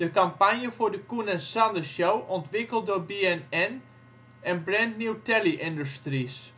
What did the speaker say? campagne voor de Coen en Sandershow ontwikkeld door BNN en Brand New Telly industries